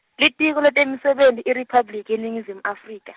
Litiko leTemisebenti IRiphabliki yeNingizimu Afrika.